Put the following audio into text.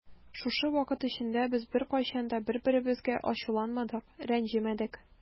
Шушы вакыт эчендә без беркайчан да бер-беребезгә ачуланмадык, рәнҗемәдек.